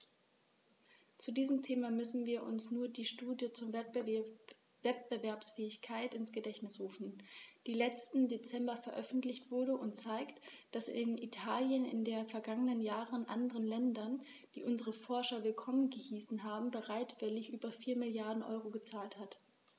Zu diesem Thema müssen wir uns nur die Studie zur Wettbewerbsfähigkeit ins Gedächtnis rufen, die letzten Dezember veröffentlicht wurde und zeigt, dass Italien in den vergangenen Jahren anderen Ländern, die unsere Forscher willkommen geheißen haben, bereitwillig über 4 Mrd. EUR gezahlt hat.